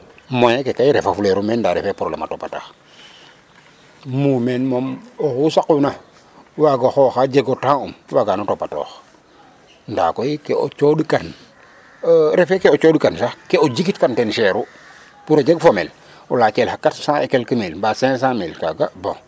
moyen ke kay refa fuleru meen nda refe problème a topatax mumeen moom oxu saquna wago xooxa jego temps um waga no topatoox nda koy ke e coɗ kan refe ke o coɗkan sax ke o jikit kan ten chere u pour o jeg femele o lacel xa 400 et quelques mille mba 500 mille kaga bon